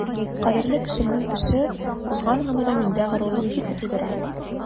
Кадерле кешемнең эше, узган гомере миндә горурлык хисе тудыра.